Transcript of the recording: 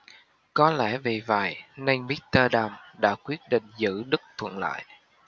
có lẽ vì vậy nên mr đàm đã quyết định giữ đức thuận lại